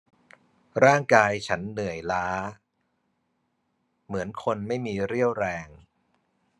ร่างกายฉันเหนื่อยล้าเหมือนคนไม่มีเรี่ยวแรง